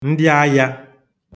ndị ayā